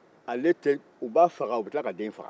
ale tɛ u b'a faga u bɛ tila ka den faga